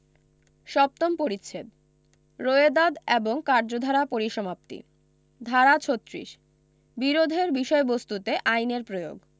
সপ্তম পরিচ্ছেদ রোয়েদাদ এবং কার্যধারা পরিসমাপ্তি ধারা ৩৬ বিরোধের বিষয়বস্তুতে আইনের প্রয়োগ